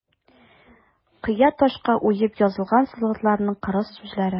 Кыя ташка уеп язылган солдатларның кырыс сүзләре.